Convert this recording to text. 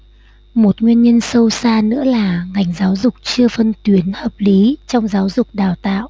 một nguyên nhân sâu xa nữa là ngành giáo dục chưa phân tuyến hợp lý trong giáo dục đào tạo